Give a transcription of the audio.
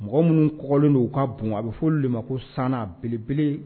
Mɔgɔ minnu kɔlen don k ka bon a bɛ fɔ de ma ko san a belebele